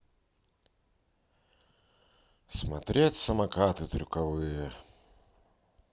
смотреть самокаты трюковые